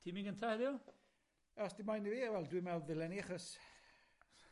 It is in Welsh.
Ti'n mynd gynta heddiw? Os ti moyn i fi wel dwi me'wl ddylen i achos